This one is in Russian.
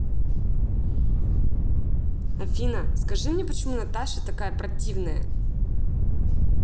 афина скажи мне почему наташа такая противная